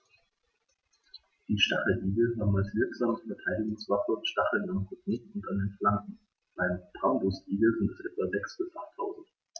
Die Stacheligel haben als wirksame Verteidigungswaffe Stacheln am Rücken und an den Flanken (beim Braunbrustigel sind es etwa sechs- bis achttausend).